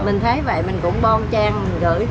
mình thấy vậy mình cũng bon chen gửi